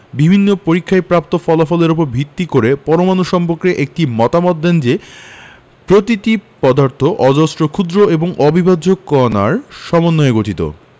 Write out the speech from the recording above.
বিভিন্ন পরীক্ষায় প্রাপ্ত ফলাফলের উপর ভিত্তি করে পরমাণু সম্পর্কে একটি মতবাদ দেন যে প্রতিটি পদার্থ অজস্র ক্ষুদ্র এবং অবিভাজ্য কণার সমন্বয়ে গঠিত